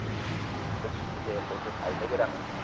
biz shunday qo'shiq aytaveramiz